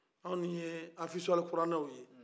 anw ye afizu alikuranɛw ye